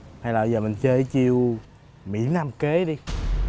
hay là giờ mình chơi cái chiêu mỹ nam kế đi